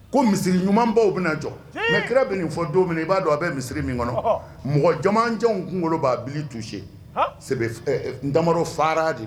Ko misi ɲumanbaw bɛ jɔ e kira bɛ nin fɔ don min i b'a dɔn a bɛ misiri min kɔnɔ mɔgɔ jamacɛ kunkolo b'a bi duse dama farara de